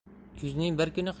kuzning bir kuni